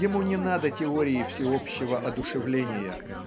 ему не надо теории всеобщего одушевления